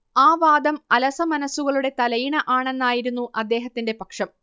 ആ വാദം അലസമനസ്സുകളുടെ തലയിണ ആണെന്നായിരുന്നു അദ്ദേഹത്തിന്റെ പക്ഷം